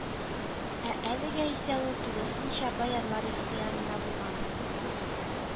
Ә әлегә исә ул тулысынча боярлар ихтыярында булган